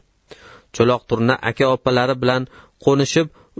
cho'loq turna aka opalari bilan qo'nishib